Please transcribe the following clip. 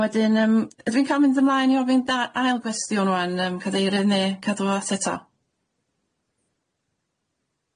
A wedyn yym ydw i'n ca'l mynd ymlaen i ofyn da- ail gwestiwn ŵan yym Cadeirydd ne cadw at eto?